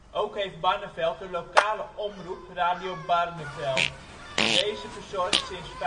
Ook heeft Barneveld een lokale omroep Radio Barneveld. Deze verzorgt sinds